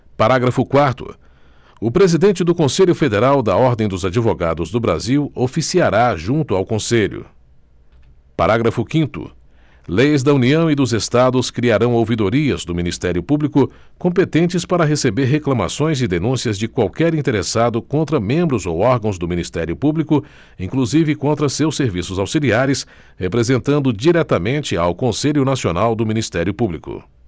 parágrafo quarto o presidente do conselho federal da ordem dos advogados do brasil oficiará junto ao conselho parágrafo quinto leis da união e dos estados criarão ouvidorias do ministério público competentes para receber reclamações e denúncias de qualquer interessado contra membros ou órgãos do ministério público inclusive contra seus serviços auxiliares representando diretamente ao conselho nacional do ministério público